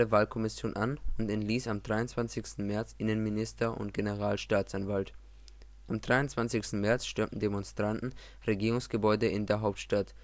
Wahlkomission an und entließ am 23. März Innenminister und Generalstaatsanwalt. Am 24. März stürmten Demonstranten Regierungsgebäude in der Hauptstadt